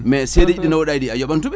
mais seedeji ɗi nawɗaɗi a yoɓantuɓe